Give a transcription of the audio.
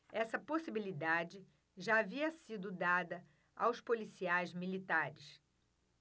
essa possibilidade já havia sido dada aos policiais militares